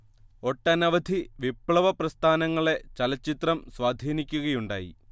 ഒട്ടനവധി വിപ്ലവ പ്രസ്ഥാനങ്ങളെ ചലച്ചിത്രം സ്വാധീനിക്കുകയുണ്ടായി